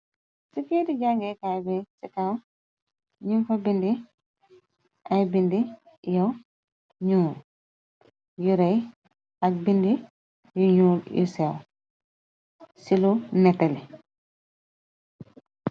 si keeti jangeekaay bi ci kaw ñu fa bindi ay bindi ya ñuu yurey ak bindi yu nu yu seew ci lu netali